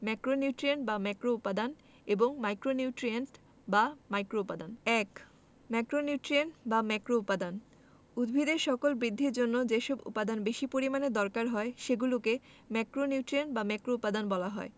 হয়েছে ম্যাক্রোনিউট্রিয়েন্ট বা ম্যাক্রোউপাদান এবং মাইক্রোনিউট্রিয়েন্ট বা মাইক্রোউপাদান ১ ম্যাক্রোনিউট্রিয়েন্ট বা ম্যাক্রোউপাদান উদ্ভিদের স্বাভাবিক বৃদ্ধির জন্য যেসব উপাদান বেশি পরিমাণে দরকার হয় সেগুলোকে ম্যাক্রোনিউট্রিয়েন্ট বা ম্যাক্রোউপাদান বলা হয়